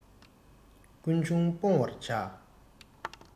ཀུན འབྱུང སྤོང བར བྱ